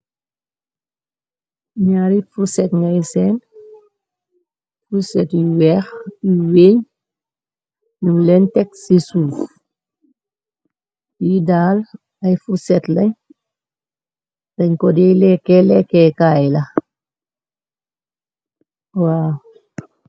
Nyaari furset ngay seen. Furset yu weex yu weeñ ñum leen tex ci suuf. Yi daal ay fuset lañ dañ ko dey lekkee lekkeekaay la.